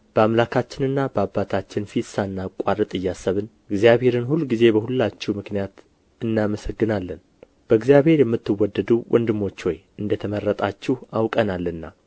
በአምላካችንና በአባታችን ፊት ሳናቋርጥ እያሰብን እግዚአብሔርን ሁል ጊዜ በሁላችሁ ምክንያት እናመሰግናለን በእግዚአብሔር የምትወደዱ ወንድሞች ሆይ እንደ ተመረጣችሁ አውቀናልና